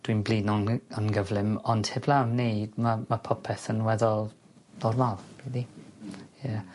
dwi'n blino'n gy- yn gyflym ond heblaw am 'ny ma' ma' popeth yn weddol normal credu. Ie.